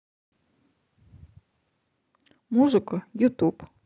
музыка ютуб